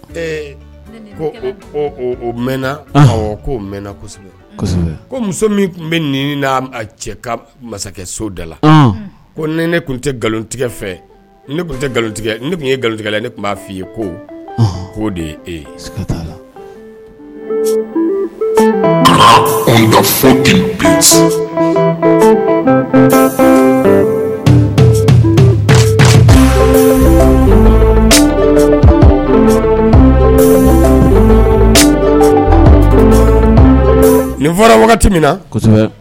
Ee ko mɛn mɛn kosɛbɛ muso min tun bɛ nin na cɛ ka masakɛso da la ko ne ne tun tɛ nkalontigɛ fɛ ne tun tɛ nkalontigɛ ne tun ye nkalonlotigɛ ne tun b'a fɔ i ye ko k'o de la nin fɔra wagati min na